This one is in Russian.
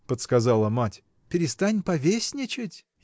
— подсказала мать, — перестань повесничать.